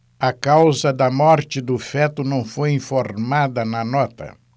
a causa da morte do feto não foi informada na nota